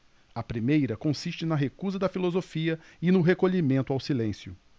a primeira consiste na recusa da filosofia e no recolhimento ao silêncio